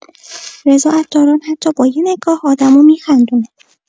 رضا عطاران حتی با یه نگاه آدمو می‌خندونه.